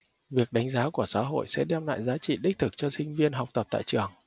việc đánh giá của xã hội sẽ đem lại giá trị đích thực cho sinh viên học tập tại trường